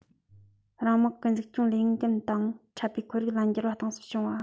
རང དམག གི འཛུགས སྐྱོང ལས འགན དང འཕྲད པའི ཁོར ཡུག ལ འགྱུར བ གཏིང ཟབ བྱུང བ